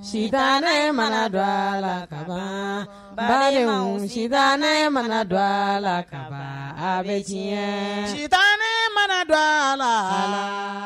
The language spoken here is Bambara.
Sitanɛ mana dɔ a la kabaaan balemaw sitanɛ mana dɔ a la kabaaan a be tiɲɛ sitanɛ mana dɔ a laa Ala